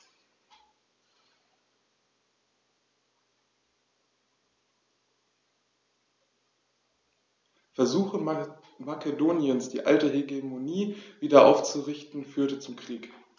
Versuche Makedoniens, die alte Hegemonie wieder aufzurichten, führten zum Krieg.